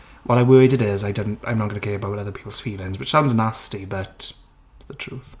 What I worded is, I don- I'm not going to care about other people's feelings. Which sounds nasty but t's the truth.